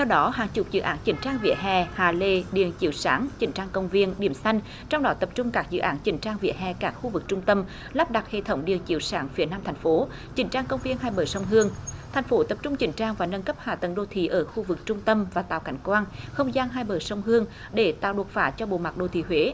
theo đó hàng chục dự án chỉnh trang vỉa hè hạ lề điện chiếu sáng chỉnh trang công viên điểm xanh trong đó tập trung các dự án chỉnh trang vỉa hè cả khu vực trung tâm lắp đặt hệ thống điện chiếu sáng phía nam thành phố chỉnh trang công viên hai bờ sông hương thành phố tập trung chỉnh trang và nâng cấp hạ tầng đô thị ở khu vực trung tâm và tạo cảnh quan không gian hai bờ sông hương để tạo đột phá cho bộ mặt đô thị huế